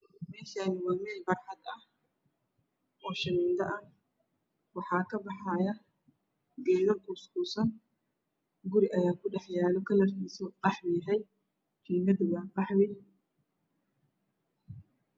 Meeshaan waa meel barxad ah oo shamiito ah waxaa ka baxaaya geedu kuus kuusan guri ayaa ku dhex yaalo uu kalarkiisu gaxwi yahay jiingata waa qaxwi.